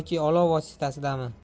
yoki olov vositasidami